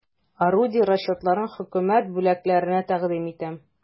Орудие расчетларын хөкүмәт бүләкләренә тәкъдим итәм.